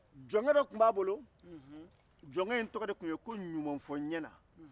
jɔnkɛ dɔ tun b'a bolo jɔnkɛ in tɔgɔ ye ko ɲumanfɔ-n-ɲɛna